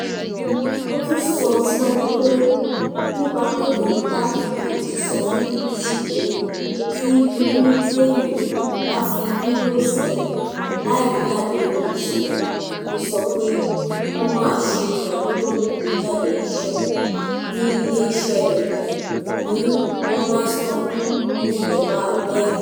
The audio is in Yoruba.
Ótún sọ síwájú pé “nípa” pé Toyota UK ti sọ fún BBC pé tí Bírítéénì bá fi EU sílẹ̀ láì ní àdéhùn ìsòwò tó só pọ̀, ó máa ṣe ìdádúró ìgbéjáde-iṣẹ̀ ní ilé iṣẹ́ rẹ̀ ní Burnaston, ní ẹ̀bá Derby.